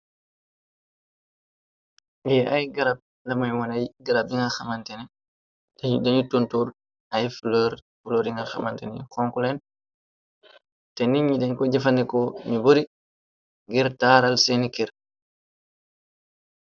Le ay garab damay wonay garab di nga xemantene dañu tuntur ay fler bu lor yinga xemante ni konklen te nit ñi dañ ko jëfandeko ñu bori ngir taaral seeni kerr.